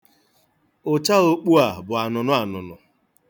Ụcha okpu a bụ anụnụanụnụ.